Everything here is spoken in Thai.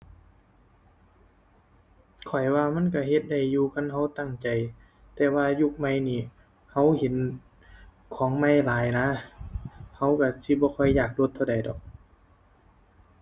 ข้อยว่ามันก็เฮ็ดได้อยู่ คันก็ตั้งใจ แต่ว่ายุคใหม่นี้ ก็เห็นของใหม่หลายนะ ก็ก็สิบ่ค่อยอยากลดเท่าใดดอก